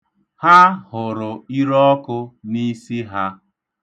Ha hụrụ irọọkụ n'isi ha.